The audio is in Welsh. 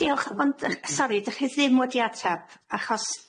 Diolch ond yy sori 'dych chi ddim wedi ateb achos,